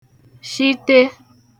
shite